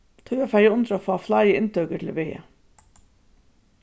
tí var farið undir at fáa fleiri inntøkur til vega